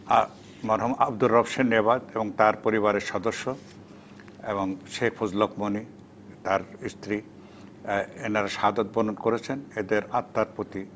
আর মরহুম আব্দুর রব সেরনিয়াবাত এবং তার পরিবারের সদস্য এবং শেখ ফজলুল হক মনি তার স্ত্রী এনারা শাহাদত বরণ করেছেন এদের আত্মার প্রতি